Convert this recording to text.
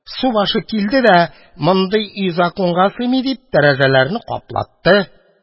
Субашы килде дә, мондый өй законга сыймый, дип, тәрәзәләрен каплатты.